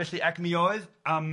Felly ag mi oedd yym.